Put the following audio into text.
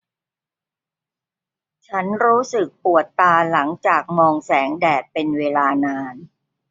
ฉันรู้สึกปวดตาหลังจากมองแสงแดดเป็นเวลานาน